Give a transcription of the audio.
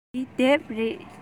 འདི དེབ རེད